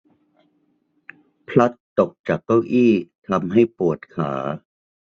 พลัดตกจากเก้าอี้ทำให้ปวดขา